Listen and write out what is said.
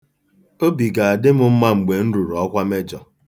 Obi ga-adị m mma mgbe m ruru ọkwa mejọ.